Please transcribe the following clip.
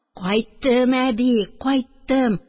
Кайттым, әби, кайттым